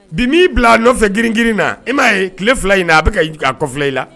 Bi m'i bila a nɔfɛ girinirin na, i m'a ye tile fila in na a bɛka a kɔ filɛ i la